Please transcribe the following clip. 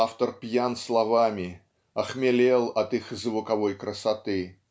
автор пьян словами, охмелел от их звуковой красоты.